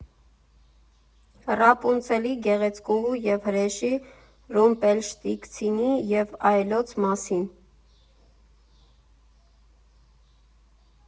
Ռապունցելի, Գեղեցկուհու և Հրեշի, Ռումպելշտիցկինի և այլոց մասին։